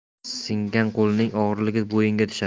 singan qo'lning og'irligi bo'yinga tushar